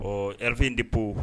Ɔ rfifin in de ko